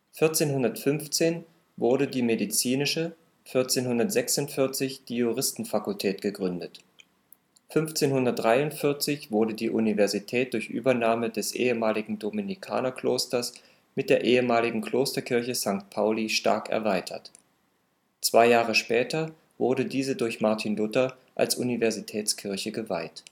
1415 wurde die medizinische, 1446 die Juristenfakultät gegründet. 1543 wurde die Universität durch Übernahme des ehemaligen Dominikanerklosters mit der ehemaligen Klosterkirche St. Pauli stark erweitert. Zwei Jahre später wurde diese durch Martin Luther als Universitätskirche geweiht